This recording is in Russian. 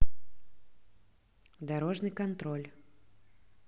дорожный контроль